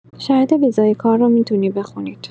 شرایط ویزای کار رو می‌تونید بخونید.